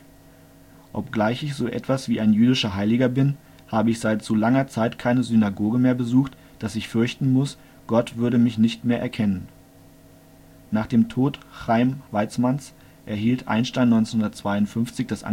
Obgleich ich so etwas wie ein jüdischer Heiliger bin, habe ich seit so langer Zeit keine Synagoge mehr besucht, dass ich fürchten muss, Gott würde mich nicht mehr erkennen. “Nach dem Tod Chaim Weizmanns erhielt Einstein 1952 das Angebot